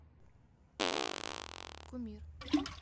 кумир